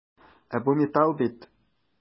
Ә бу металл бит!